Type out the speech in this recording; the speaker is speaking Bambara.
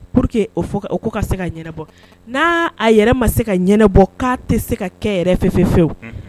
Pour que o ko ka se ka ɲɛna bɔ n'a yɛrɛ ma se ka ɲɛna bɔ, k'a tɛ se ka kɛ yɛrɛfɛ fɛwu, unhun.